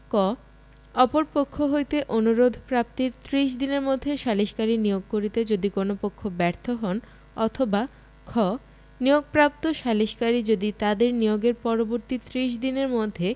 ক অপর পক্ষ হইতে অনুরোধ প্রাপ্তির ত্রিশ দিনের মধ্যে সালিসকারী নিয়োগ করিতে যদি কোন পক্ষ ব্যর্থ হন অথবা খ নিয়োগপ্রাপ্ত সালিসকারী যদি তাহাদের নিয়োগের পরবর্তি ত্রিশ দিনের মধ্যে